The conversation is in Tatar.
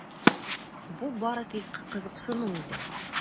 Бу бары тик кызыксыну иде.